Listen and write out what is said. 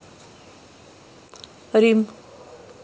рим